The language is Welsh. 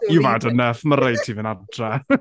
you've had enough. Mae rhaid ti fynd adre .